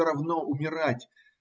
Все равно - умирать.